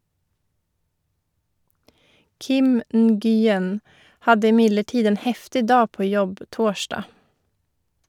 Kim Nguyen hadde imidlertid en heftig dag på jobb torsdag.